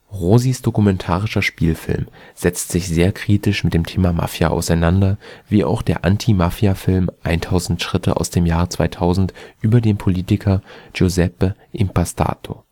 Rosis dokumentarischer Spielfilm setzt sich sehr kritisch mit dem Thema Mafia auseinander wie auch der „ Anti-Mafia-Film “100 Schritte aus dem Jahr 2000 über den Politiker Giuseppe Impastato